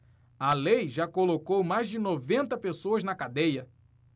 a lei já colocou mais de noventa pessoas na cadeia